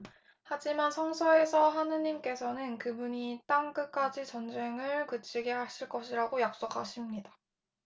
하지만 성서에서 하느님께서는 그분이 땅 끝까지 전쟁을 그치게 하실 것이라고 약속하십니다